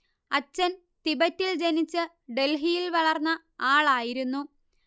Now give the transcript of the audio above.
അച്ഛൻ തിബറ്റിൽ ജനിച്ച് ഡൽഹിയിൽ വളർന്ന ആളായിരുന്നു